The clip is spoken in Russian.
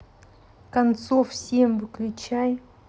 концов всем выключай